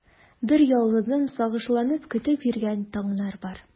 Берьялгызым сагышланып көтеп йөргән таңнар бар.